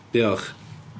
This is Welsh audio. Diolch.